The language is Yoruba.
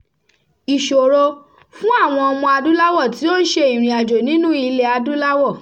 Ìṣòro: Fún àwọn Ọmọ-adúláwọ̀ tí ó ń ṣe ìrìnàjò nínúu Ilẹ̀-adúláwọ̀